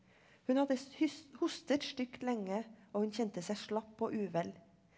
hun hadde hostet stygt lenge og hun kjente seg slapp og uvel.